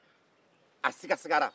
a sigasigara